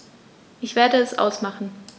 Ich werde es ausmachen